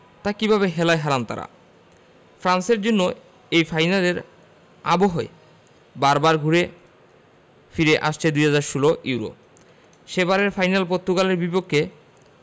তা কিভাবে হেলায় হারান তাঁরা ফ্রান্সের জন্য এই ফাইনালের আবহে বারবার ঘুরে ফিরে আসছে ২০১৬ ইউরো সেবারের ফাইনালে পর্তুগালের বিপক্ষে